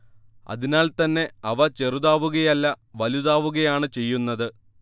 അതിനാൽത്തന്നെ അവ ചെറുതാവുകയല്ല വലുതാവുകയാണ് ചെയ്യുന്നത്